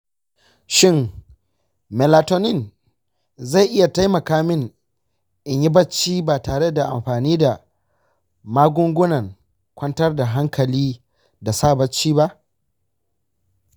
shin melatonin zai iya taimaka min in yi bacci ba tare da amfani da magungunan kwantar da hankali da sa barci ba?